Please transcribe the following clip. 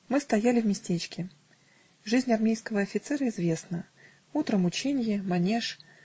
Мы стояли в местечке ***. Жизнь армейского офицера известна. Утром ученье, манеж